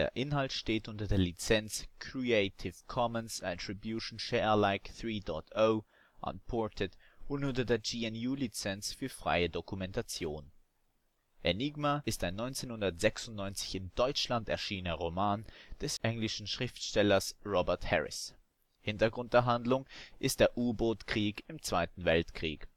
Inhalt steht unter der Lizenz Creative Commons Attribution Share Alike 3 Punkt 0 Unported und unter der GNU Lizenz für freie Dokumentation. Enigma (Originaltitel: ENIGMA, 1995) ist ein 1996 in Deutschland erschienener Roman des englischen Schriftstellers Robert Harris. Hintergrund der Handlung ist der U-Boot-Krieg im Zweiten Weltkrieg